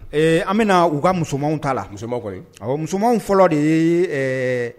Ee an bɛna na u ka musomanw ta' la musomanw kɔni musomanw fɔlɔ de ye